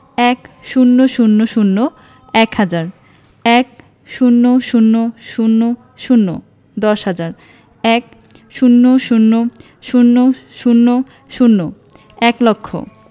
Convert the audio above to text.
১০০০ – এক হাজার ১০০০০ দশ হাজার ১০০০০০ এক লক্ষ